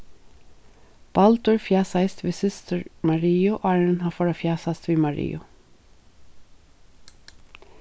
baldur fjasaðist við systur mariu áðrenn hann fór at fjasast við mariu